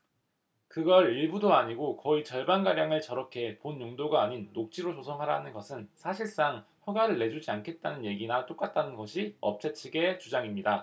그걸 일부도 아니고 거의 절반가량을 저렇게 본 용도가 아닌 녹지로 조성하라는 것은 사실상 허가를 내주지 않겠다는 얘기나 똑같다는 것이 업체 측의 주장입니다